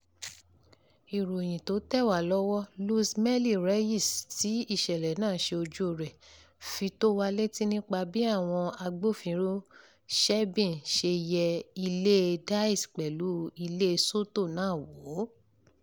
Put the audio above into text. [Ìròyìn tó tẹ̀wá lọ́wọ́] Luz Mely Reyes tí ìṣẹ̀lẹ̀ náà ṣe ojúu rẹ̀, fi tó wa létí nípa bí àwọn Agbófinró SEBIN ṣe yẹ ilée Díaz pẹ̀lú ilée Soto náà wò.